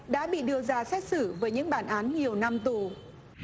đã bị đưa ra xét xử với những bản án nhiều năm tù